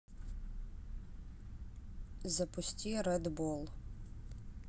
запусти рэд болл